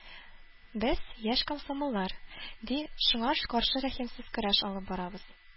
Без, яшь комсомоллар, ди, шуңар каршы рәхимсез көрәш алып барабыз.